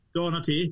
Do, 'na ti.